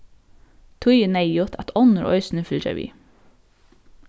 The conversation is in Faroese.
tí er neyðugt at onnur eisini fylgja við